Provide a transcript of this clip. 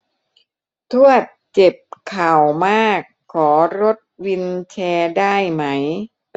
ทวดเจ็บเข่ามากขอรถวีลแชร์ได้ไหม